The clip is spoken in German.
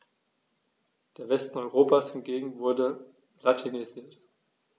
Der Westen Europas hingegen wurde latinisiert.